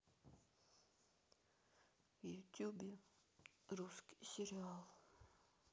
в ютубе русский сериал